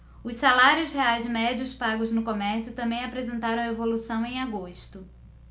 os salários reais médios pagos no comércio também apresentaram evolução em agosto